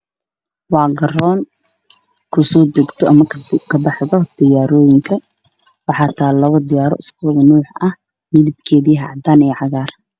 Halkan waa garoonka aadan cadde waxay taagan laba diyaarad midabkooda cagaar cadaan